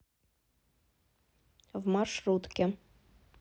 в маршрутке